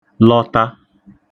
lọ(ta)